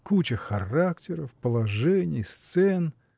Куча характеров, положений, сцен!